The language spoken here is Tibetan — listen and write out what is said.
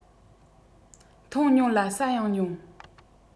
འཐུང མྱོང ལ ཟ ཡང མྱོང